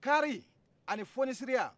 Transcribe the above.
kaari ani fonisireya